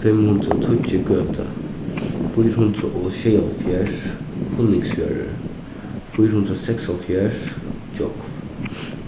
fimm hundrað og tíggju gøta fýra hundrað og sjeyoghálvfjerðs funningsfjørður fýra hundrað seksoghálvfjerðs gjógv